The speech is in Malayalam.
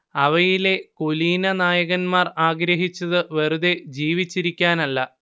അവയിലെ കുലീനനായകന്മാർ ആഗ്രഹിച്ചത് വെറുതേ ജീവിച്ചിരിക്കാനല്ല